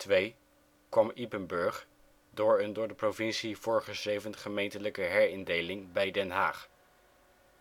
2002 kwam Ypenburg door een door de provincie voorgeschreven gemeentelijke herindeling bij Den Haag,